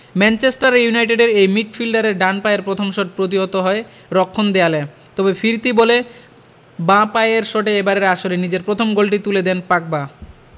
Manchester ইউনাইটেডের এই মিডফিল্ডারের ডান পায়ের প্রথম শট প্রতিহত হয় রক্ষণ দেয়ালে তবে ফিরতি বলে বাঁ পায়ের শটে এবারের আসরে নিজের প্রথম গোলটি তুলে নেন পাগবা